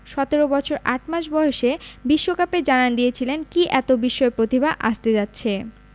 ১৭ বছর ৮ মাস বয়সে বিশ্বকাপে জানান দিয়েছিলেন কী এত বিস্ময় প্রতিভা আসতে যাচ্ছে